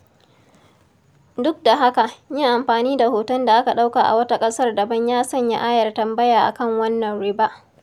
Duk da haka, yin amfani da hoton da aka ɗauka a wata ƙasar daban ya sanya ayar tambaya a kan wannan "riba".